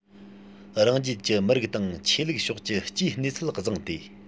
རང རྒྱལ གྱི མི རིགས དང ཆོས ལུགས ཕྱོགས ཀྱི སྤྱིའི གནས ཚུལ བཟང སྟེ